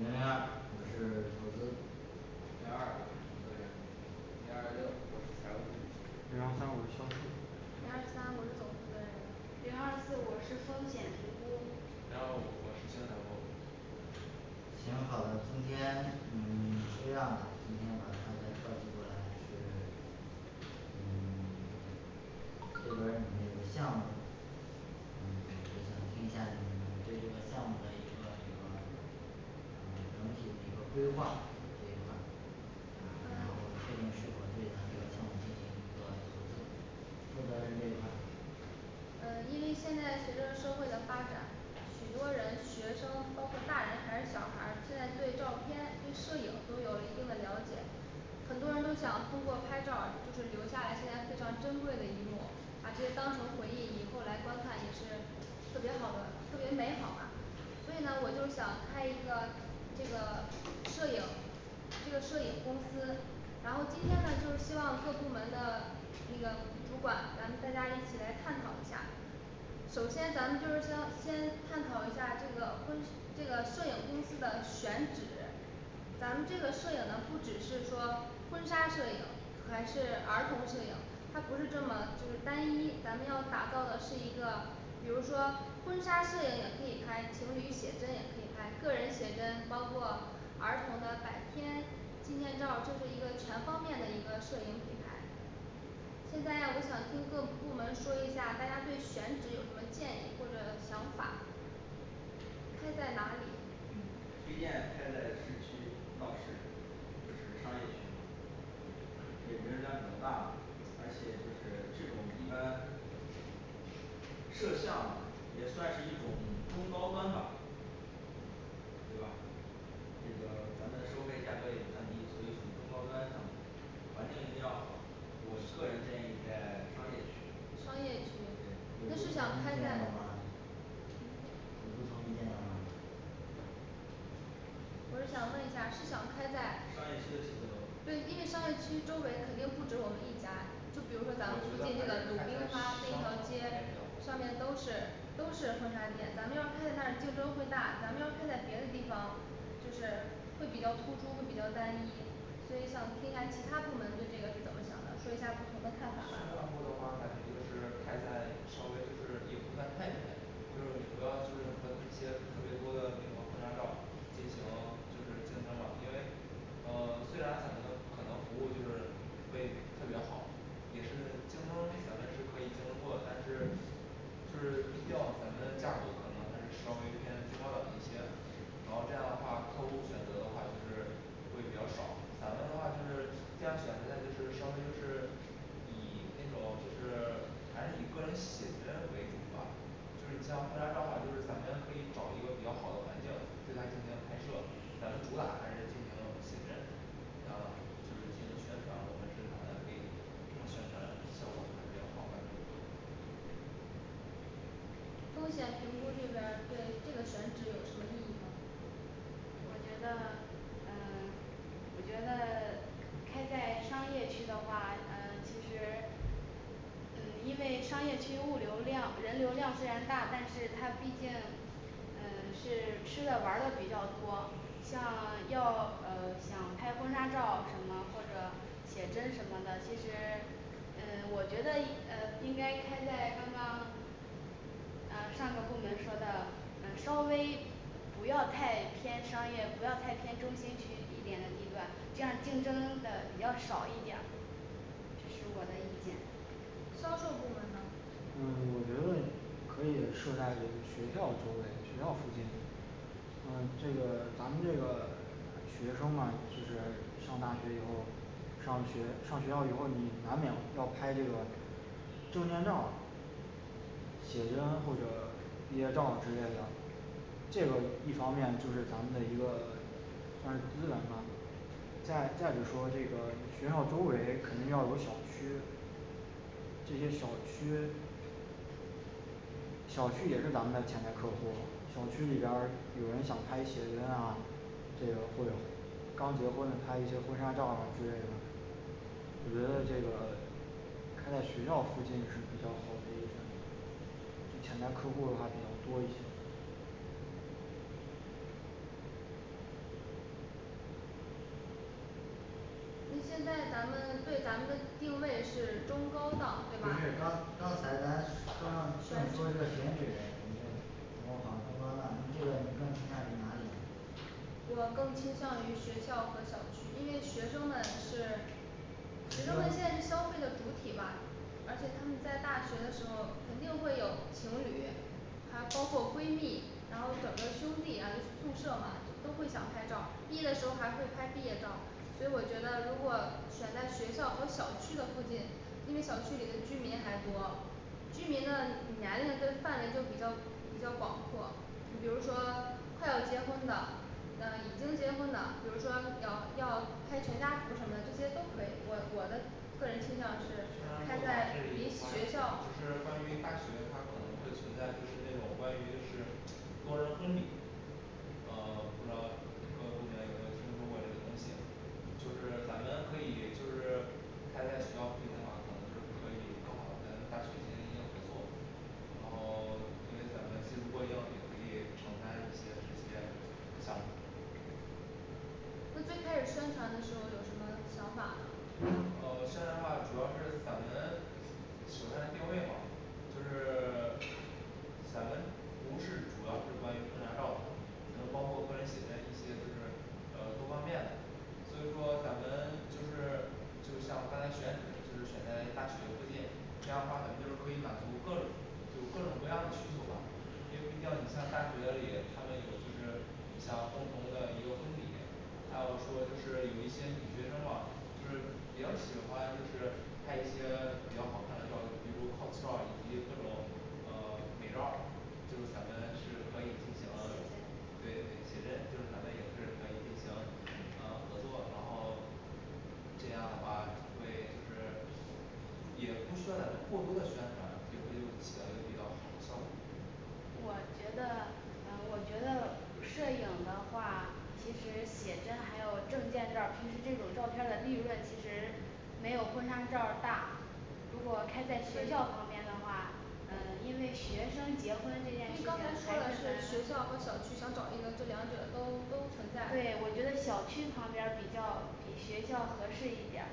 零零二我是 投资零二二我是负责人零二六我是财务部零幺三我是销售零二三我是总负责人零二四我是风险评估零幺五我是宣传部行好的，今天嗯 这样的，今天把大家召集过来是 嗯 这边儿你们有个项儿目嗯 我想听一下你们对这个项目的一个整个呃 整体的一个规划这一块儿嗯 然后确定是否对咱这个项目进行一个投资负责人这一块儿呃因为现在随着社会的发展许多人学生包括大人还是小孩儿，现在对照片对摄影都有了一定的了解很多人都想通过拍照儿就是留下来现在非常珍贵的一幕，把这些当成回忆以后来观看也是特别好的，特别美好吧。 所以呢我就想开一个这个摄影这个摄影公司然后今天呢就是希望各部门的那个主管咱们大家一起来探讨一下首先咱们就是项目先探讨一下儿这个婚这个摄影公司的选址咱们这个摄影呢不只是说婚纱摄影还是儿童摄影，它不是这么就是单一，咱们要打造的是一个比如说婚纱摄影也可以拍情侣写真也可以拍个人写真，包括儿童的百天纪念照，就是一个全方面的一个摄影品牌现在我想跟各部门说一下，大家对选址有什么建议或者想法开在哪里嗯推荐开在市区闹市。就是商业区这人流量比较大，而且就是这种一般摄像嘛也算是一种中高端吧对吧这个咱们收费价格也不算低，所以属于中高端项目，环境一定要好我个人建议在商业区商业区对有不同是意想开见在的吗哪嗯有不同意见的吗我是想问一下是想开在商业区的写字楼对，因为商业区周围肯定不止我们一家儿就比如说咱们我觉去那得个鲁还是冰开花那在一商条场街街比，较上好面的都是都是婚纱店，咱们要开在那儿竞争会大，咱们要开在别的地方就是会比较突出，比较单一，所以想听一下其他部门对这个是怎么想的，说一下不同的看宣法传部吧的话感觉就是开在稍微就是也不算太偏就是也不要就是和这些特别多的那种婚纱照进行就是竞争嘛，因为呃 虽然咱们可能服务就是会特别好也是竞争咱们是可以竞争过，但是就是毕竟咱们价格可能还是稍微偏中高档的一些然后这样的话客户选择的话就是会比较少，咱们的话就是这样选择的就是稍微就是以那种就是还是以个人写真为主吧就是你像婚纱照的话就是咱们可以找一个比较好的环境对它进行拍摄，咱们主打还是进行写真，然后就是进行宣传，我们是打算可以这么宣传效果还是比较好感觉风险评估这边儿对这个选址有什么异议吗我觉得嗯 我觉得 开在商业区的话呃其实呃因为商业区物流量人流量虽然大，但是它毕竟嗯是吃的玩儿的比较多，像要呃想拍婚纱照什么或者写真什么的，就是呃我觉得应呃应该开在刚刚呃上个部门说的嗯稍微不要太偏商业，不要太偏中心区一点的地段，这样竞争的比较少一点儿这是我的意见销售部门呢嗯 我觉得可以设在这个学校附近学校附近我觉得嗯这个 咱们这个学生嘛就是上大学以后，上学上学校以后，你难免要拍这个证件照儿写真或者毕业照之类的这个一方面就是咱们的一个 算是资源吧再再就说这个学校周围肯定要有小区这些小区小区也是咱们的潜在客户，小区里边儿有人想拍写真啊，这个会有刚结婚，拍一些婚纱照之类的我觉得这个开学校附近是比较好一点就潜在客户的话比较多一些你现在咱们对咱们的定位是中高不是档，对刚吧刚才咱刚说想说这个选址嘞你再给我好这个方案，你这个你更倾向于哪里呢我更倾向于学校和小区，因为学生们是你他们这现在是消费的主体吧，而且他们在大学的时候肯定会有情侣还包括闺蜜，然后整个兄弟，然后就是宿舍嘛都会想拍照儿，毕业的时候还会拍毕业照儿嘛所以我觉得如果选在学校和小区的附近，因为小区里的居民还多居民的年龄就范围就比较比较广阔，比如说他要结婚的嗯已经结婚的，比如说要要拍全家福儿什么的，这些都可以，我我的个人倾向宣传部儿的话是是开在临学校就是关于大学它可能会存在就是那种关于就是多人婚礼呃 不知道各个部门有没有听说过这个东西就是咱们可以就是开在学校附近的话，可能就是可以更好的跟大学进行一些合作然后 因为咱们技术过硬，也可以承担一些这些项目儿那最开始宣传的时候有什么想法吗？呃宣传的话主要是咱们首先定位嘛就是 咱们不是主要是关于婚纱照的，嗯包括个人写真一些就是呃多方面的所以说咱们就是就是像刚才选址就是选在大学附近，这样的话咱们就是可以满足各种有各种各样的需求吧因为毕竟你像大学里他们有就是你像共同的一个婚礼还有说就是有一些女学生吧就是比较喜欢就是拍一些比较好看的照，比如cos照儿以及各种呃美照儿就是咱们是可以进写行真对对写真就是咱们也是可以进行啊合作，然后这样的话会就是也不需要咱们过多的宣传，也会有起到一个比较好的效果我觉得嗯我觉得摄影的话，其实写真还有证件照儿，平时这种照片儿的利润其实没有婚纱照儿大如果开在学校旁边的话，嗯因为学生结婚这不是那件事情刚才说还了是是学校和小区想找一个这两者都都存在对我觉得小区旁边儿比较比学校合适一点儿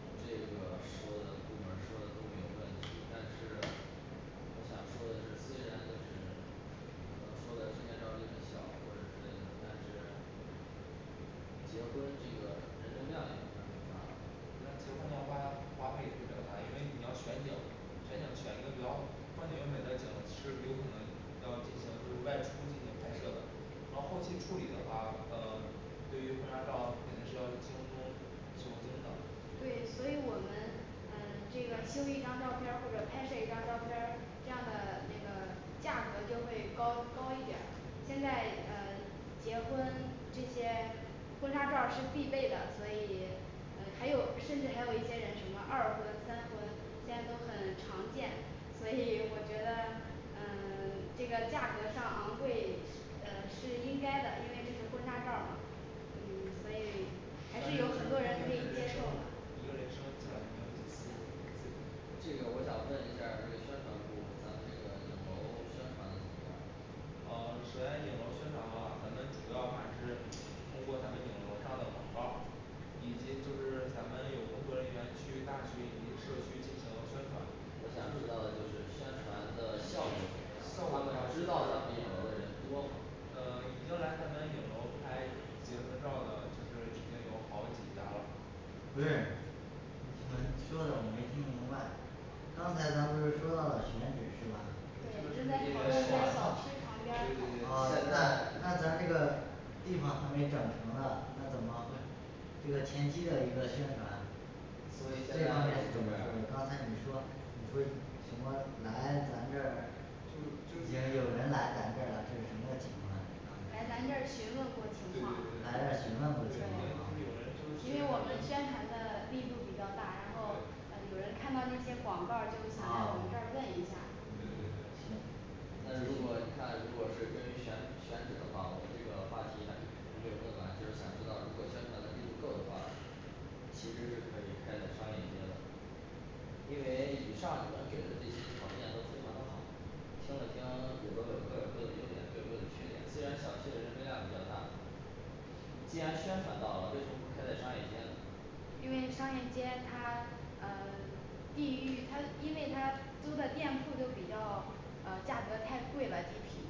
这个说的部门儿说的都没有问题，但是我想说的是虽然就是刚才说的证件照儿利润小或者是但是结婚这个人流量也不是很大，你像结婚的话花费也是比较大，因为你要选景，选景选一个比较风景优美的景，是有可能要进行就是外出进行拍摄的到后期处理的话，呃对于婚纱照肯定是要精通求精的对，所以我们嗯这个修一张照片儿或者拍摄一张照片儿，这样的那个价格就会高高一点儿。现在嗯结婚这些婚纱照儿是必备的，所以嗯还有甚至还有一些人什么二婚三婚，现在都很常见所以 我觉得嗯 这个价格儿上昂贵呃是应该的，因为这是婚纱照儿嘛嗯所以还咱们是是毕有竟是很多人可以接人生受吗的一个人生基本上就没有几次对这个我想问一下儿这个宣传部咱们这个影楼宣传的怎么样了哦首先影楼宣传的话，咱们主要还是通过咱们影楼儿上的广告儿以及就是咱们有工作人员去大学以及社区进行宣传我想知道的就是宣传的效率怎效么样，他们果知道咱们影楼的人多吗呃已经来咱们影楼拍结婚照的就是已经有好几家了对你们说的我没听明白刚才咱不是说到了选址是吧这个这个说对正在讨论在小区旁 边儿对对对哦好在还是那咱这个地方儿还没整成呢，那怎么会这个前期的一个宣传所以现这在方我们面是怎么说嘞刚是才你说你说什么来咱这儿就已经就有人来咱这儿了，这是什么个情况啊来你咱这刚才说儿询问过对情况对对对就是有因人为我就们宣是传的力度比较大，然后呃对有人看到那些广告儿就想来我们这儿问一下对对嗯对行是你那如继果你续看如果是对于选选址的话，我这个话题还没还没有问完，就是想知道如果宣传能力不够的话其实是可以开在商业街的因为以上你们给的这些条件都非常的好听了听也都有各有各的优点，各有各的缺点，虽然小区的人流量比较大既然宣传到了为什么不开在商业街呢因为商业街它呃地域，它因为它租的店铺都比较呃价格太贵了地皮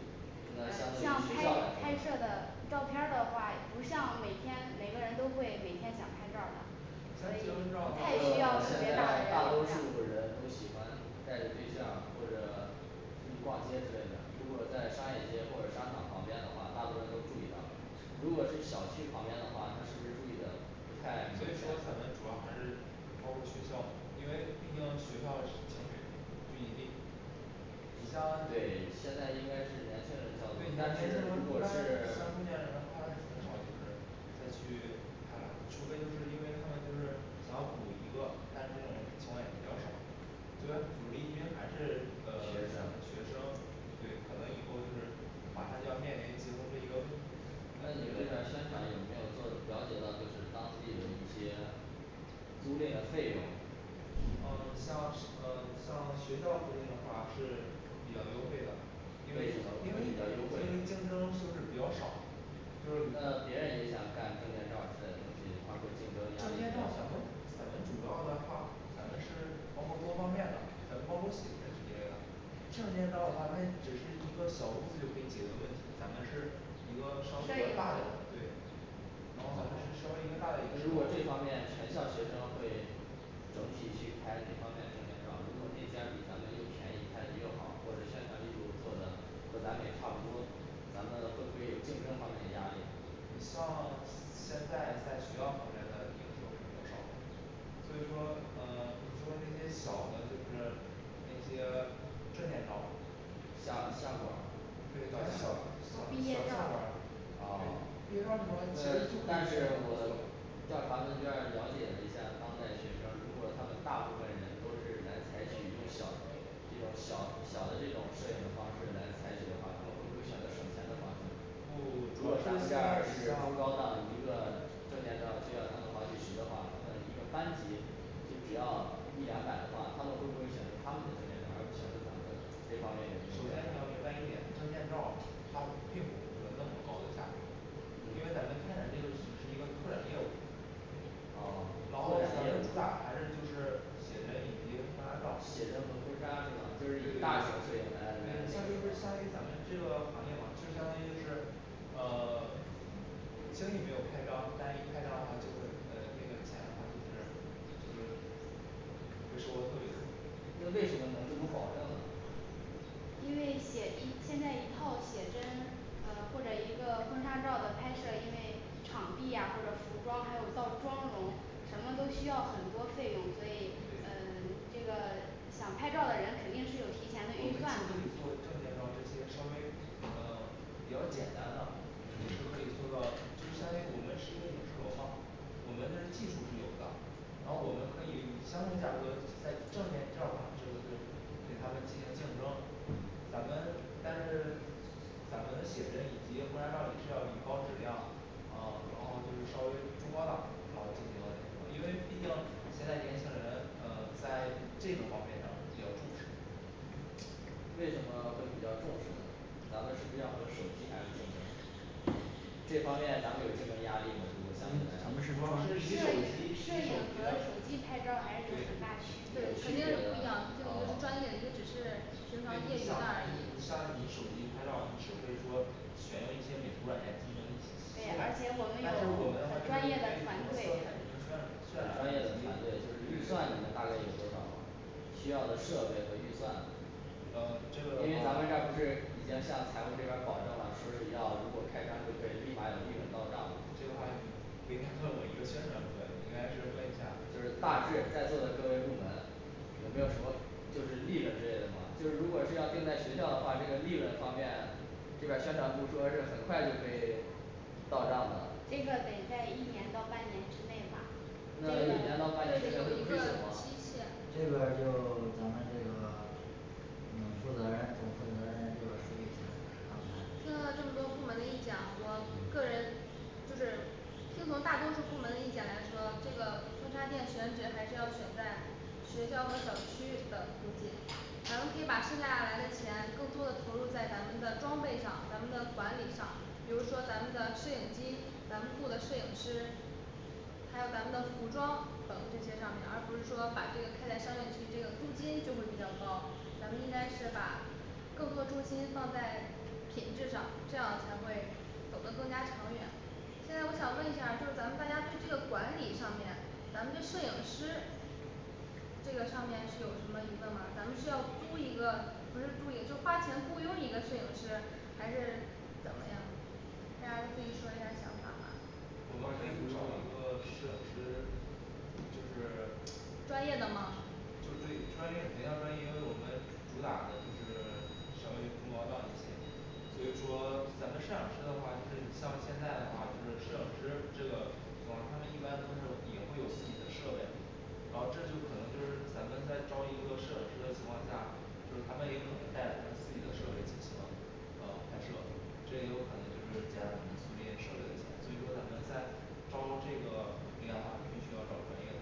那相对你像于学拍校来拍说摄的呢照片儿的话，不像每天每个人都会每天想拍照儿的这所以他也结没必婚要个特别现照大在大的的多人流数话量人都喜欢带着对象或者出去逛街之类的，如果在商业街或者商场旁边的话，大多数都会注意到如果是小区旁边的话，他是不是注意的不太明所显以说咱，们主要还是包括学校嘛，因为毕竟学校是情侣聚集地。你像对现在应该是年轻人较多对但年轻是人他如果你是想中年人的话就很少就是再去拍了除非就是因为他们就是想要补一个但是这种情况也比较少虽然，主力军还是呃学生，学生对，可能以后就是马上就要面临结婚这一个问。那你们那边儿宣传有没有做了解到就是当地的一些租赁的费用哦你像是呃像学校附近的话是比较优惠的什么因为因为会比较优惠因为竞争呢就是比较少那别人也想干证件照儿之类的东西，他会竞争压证力件比较照小咱吗们咱们主要的话咱们是包括多方面的咱们包括写真十几类的证件照的话那只是一个小屋子就可以解决的问题，咱们是一个稍微宣比较大传点儿的团队然后咱们是稍微一个大啊如果这一点，方面全校学生会整体去拍那方面的证件照，如果那家比咱们又便宜，拍的又好，或者宣传力度做的跟咱们也差不多，咱们会不会有竞争方面的压力呢你像现在在学校旁边的影视楼是比较少的所以说呃比如说那些小的就是那些证件照相相馆儿照相馆对儿一般小小小毕业相照馆儿对毕业照儿什么其呃实就但可是以我调查问卷儿了解了一下，当代学生，如果他们大部分人都是来采取小的这种小小的这种摄影的方式来采取的话，他们会不会选择省钱的方式不不不呢主要咱是们现这在儿你是像高档一个证件照儿就要好几十的话他们一个班级就只要一两百的话，他们会不会选择他们的证件照而不选择咱们的呢这方首面有什么先你要明白一点证件照它并不是说那么高的价格因为咱嗯们开展这个只是一个拓展业务哦然后拓咱展业务们主打还是就是写真以及婚纱照写真和婚纱是吧对对对对对他就是以大型摄影来来那个什么就是相当于咱们这个行业吧就相当于就是呃 轻易没有开张，但是一开张的话就会呃那个起来的话就是就是会收获特别多那为什么能这么保证呢因为写一现在一套写真呃或者一个婚纱照的拍摄，因为场地呀或者服装还有到妆容什么都需要很多费用，所以对嗯这个想拍照的人肯定是有我们既可提前的预算以的做证件照这些稍微呃比较简单的，也是嗯可以做到，就是相当于我们是一个影视楼嘛，我们的技术是有的然后我们可以相互价格在证件照儿上这个是给他们进行竞争。 咱嗯们但是咱们的写真以及婚纱照也是要以高质量的啊然后就是稍微中高档然后进行那什么，因为毕竟现在年轻人呃在这个方面上比较重视为什么会比较重视呢？咱们是不是要和手机还要竞争这方面咱们有竞争压力吗？就说相对来说主哦要摄是影以摄手影机和以手机手拍照机儿还是的有很有大对区别区的肯别定的不一样一个是专哦业的一个只是平那常你业余想而你已像你手机拍照你只会说选用一些美图软件对啊进而行且我修们有改，但很是专业我的们团的话队就是用很一些专业的色彩团队进行预渲算渲染大概有。多对少对吗对？需要的设备和预算呃这个的因为咱们这儿话不是已经向财务这边儿保证了，说是要如果开张就可以立马有利润到账这个吗话题不应该 问我一个宣传部的，你应该是问一下就是大致在座的各位部门有没有什么就是利润之类的吗，就是如果是要定在学校的话，这个利润方面这边儿宣传部说是很快就可以到账这的个得在一年到半年之内吧那一年到这有半年之内会一亏个损吗期限这边儿就咱们这个 嗯负责人总负责人这边儿说一下儿刚才听到这么多部门的意见啊我嗯个人就是听从大多数部门的意见来说这个婚纱店选址还是要选在学校和小区的附近咱们可以把剩下来的钱更多的投入在咱们的装备上，咱们的管理上，比如说咱们的摄影机，咱们雇的摄影师还有咱们的服装等这些上面，而不是说把这个开在商业区，这个租金就会比较高。 咱们应该是把更多重心放在品质上，这样才会走得更加长远。现在我想问一下儿就是咱们大家对这个管理上面，咱们的摄影师这个上面是有什么疑问吗？咱们是要租一个不是租一个就花钱雇佣一个摄影师，还是怎么样大家都自己说一下想法吧一先找个摄影师就是专业的吗就是对专业肯定要专业，因为我们主打的就是稍微中高档一些所以说咱们摄影师的话，就是你像现在的话就是摄影师这个是吧，他们一般都是也会有自己的设备然后这就可能就是咱们在招一个摄影师的情况下，就是他们也有可能带着他们自己的设备进行呃拍摄，这也有可能就是减少租赁设备的钱，所以说咱们在招这个的话必须要找专业的。